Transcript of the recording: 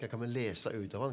hva kan vi lese ut av den?